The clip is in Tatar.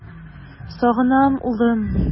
Сагынам, улым!